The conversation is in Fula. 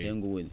heen ngu woni